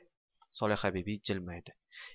solihabibi jilmaydi